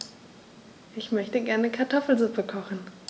Ich möchte gerne Kartoffelsuppe kochen.